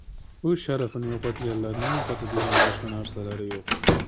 o'z sharafini yo'qotganlarning yo'qotadigan boshqa narsalari yo'q